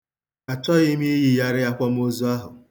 Achọghị m iyigharị akwamozu ahụ.